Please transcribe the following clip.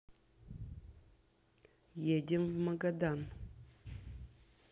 едем в магадан